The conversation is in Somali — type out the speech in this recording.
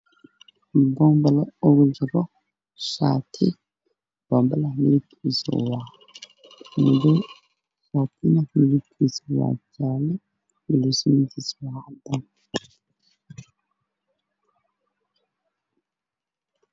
Waa shati midabkiisu yahay jaalo waxaa ku dhaggan kartaan madow waxa uu ilaa meel